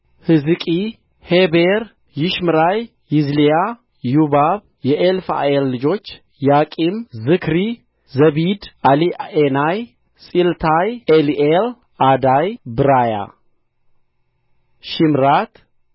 ሕዝቂ ሔቤር ይሽምራይ ይዝሊያ ዮባብ የኤልፍዓል ልጆች ያቂም ዝክሪ ዘብዲ ኤሊዔናይ ጺልታይ ኤሊኤል ዓዳያ ብራያ ሺምራት